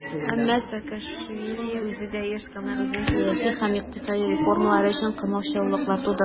Әмма Саакашвили үзе дә еш кына үзенең сәяси һәм икътисади реформалары өчен комачаулыклар тудырган.